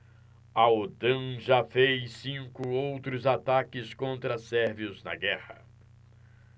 a otan já fez cinco outros ataques contra sérvios na guerra